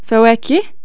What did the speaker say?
فواكه